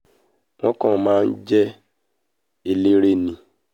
Wọ́n kàn máa ń jẹ́ eléré ni.